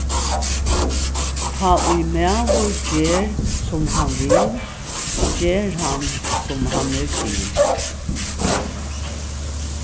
tá ið maður ger sum hann vil ger hann sum hann er til